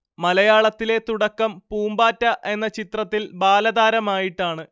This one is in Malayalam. മലയാളത്തിലെ തുടക്കം പൂമ്പാറ്റ എന്ന ചിത്രത്തിൽ ബാലതാരമായിട്ടാണ്